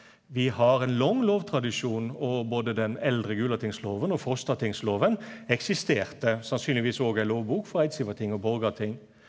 vi har ein lang lovtradisjon og både Den eldre Gulatingsloven og Frostatingsloven eksisterte sannsynlegvis òg ei lovbok frå Eidsivatinget og Borgarting.